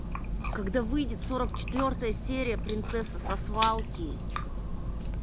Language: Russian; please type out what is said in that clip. когда выйдет сорок четвертая серия принцесса со свалки